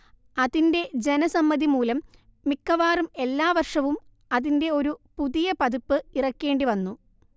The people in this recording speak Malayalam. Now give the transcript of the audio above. അതിന്റെ ജനസമ്മതിമൂലം മിക്കവാറും എല്ലാവർഷവും അതിന്റെ ഒരു പുതിയപതിപ്പ് ഇറക്കേണ്ടിവന്നു